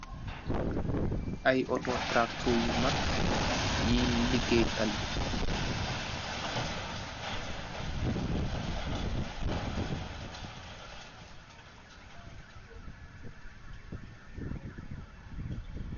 Ay otoo tracto nyu mag, yi ligay taly